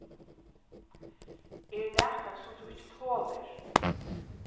er nakað sum tú ikki tolir